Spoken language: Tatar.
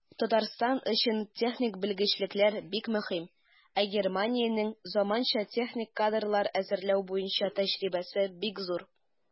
Татарстан өчен техник белгечлекләр бик мөһим, ә Германиянең заманча техник кадрлар әзерләү буенча тәҗрибәсе бик зур.